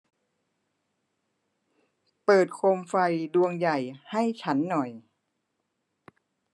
เปิดโคมไฟดวงใหญ่ให้ฉันหน่อย